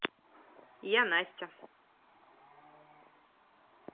я настя